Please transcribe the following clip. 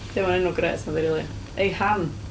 Dio'm yn enw grêt nadi rili. "Hey, Han".